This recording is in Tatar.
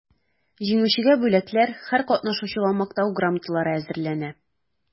Җиңүчеләргә бүләкләр, һәр катнашучыга мактау грамоталары әзерләнә.